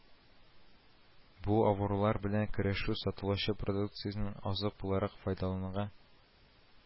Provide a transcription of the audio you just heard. Бу авырулар белән көрәшү, сатылучы продукциянең азык буларак файдалануга